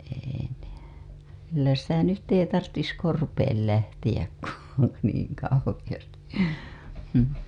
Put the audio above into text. ei ne kyllä sitä nyt ei tarvitsisi korpeen lähteä kun niin kauheasti mm